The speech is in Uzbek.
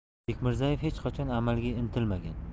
bekmirzaev hech qachon amalga intilmagan